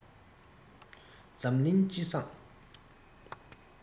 འཛམ གླིང སྤྱི བསང